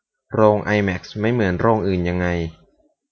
โรงไอแม็กซ์ไม่เหมือนโรงอื่นยังไง